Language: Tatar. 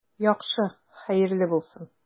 Яхшы, хәерле булсын.